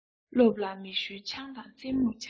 སློབ ལ མི ཞོལ ཆང དང རྩེད མོར ཆགས